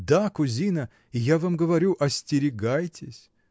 — Да, кузина, и я вам говорю: остерегайтесь!